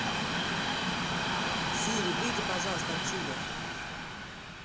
сири выйди пожалуйста от чуда